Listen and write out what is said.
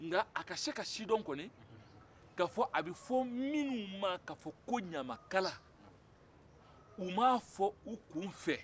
nka a ka se ka sidɔn kɔni ka fɔ a bɛ fɔ minnu ma ko ɲamakala u ma fɔ u kun fɛ